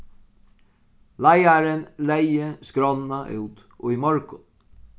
leiðarin legði skránna út í morgun